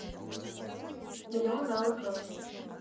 миллион алых роз